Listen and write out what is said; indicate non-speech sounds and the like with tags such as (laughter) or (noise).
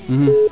(hesitation) (hesitation)